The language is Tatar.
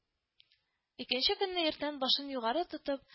Икенче көнне иртән башын югары тотып